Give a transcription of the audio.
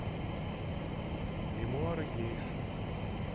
мемуары гейш